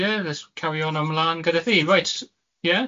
Ie let's carry on ymlan gyda ti reit ie?